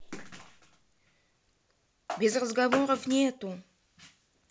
без разговоров нету